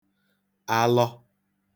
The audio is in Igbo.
alọ